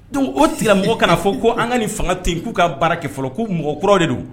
Dɔnku o sira mɔgɔ kana fɔ ko an ka nin fanga ten k'u ka baara kɛ fɔlɔ ko mɔgɔ kura de don